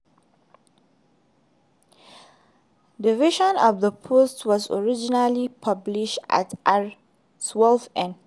A version of this post was originally published at r12n.